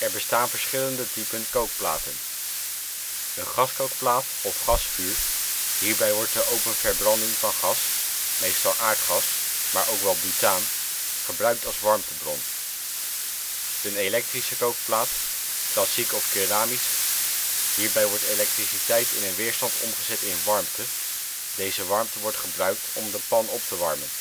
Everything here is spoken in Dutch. bestaan verschillende typen kookplaten: gaskookplaat of gasvuur - hierbij wordt de open verbranding van gas (meestal aardgas, maar ook wel butaan) gebruikt als warmtebron. elektrische kookplaat (klassiek of keramisch) - hierbij wordt elektriciteit in een weerstand omgezet in warmte; deze warmte wordt gebruikt om de pan op te warmen